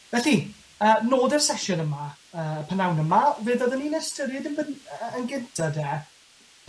Felly, yy nod yr sesiwn yma yy prynawn yma fe fyddwn ni'n ystyried yn byn- yy yn gynta 'de